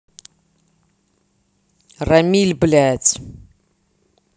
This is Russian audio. рамиль блядь